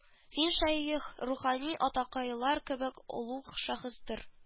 Син шәех рухани атакайлар кебек олуг шәхестер